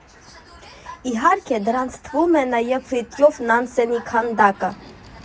Իհարկե, դրանց թվում է նաև Ֆրիտյոֆ Նանսենի քանդակը։